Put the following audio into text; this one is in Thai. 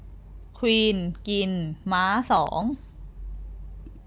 ควีนกินม้าสอง